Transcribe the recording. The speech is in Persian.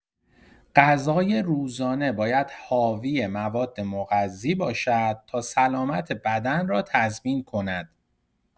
غذای روزانه باید حاوی مواد مغذی باشد تا سلامت بدن را تضمین کند.